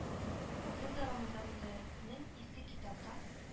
Ел дәвамында нәзарәтнең изге китапка